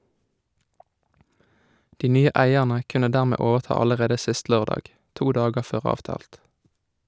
De nye eierne kunne dermed overta allerede sist lørdag, to dager før avtalt.